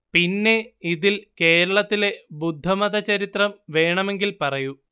പിന്നെ ഇതിൽ കേരളത്തിലെ ബുദ്ധമത ചരിത്രം വേണമെങ്കിൽ പറയൂ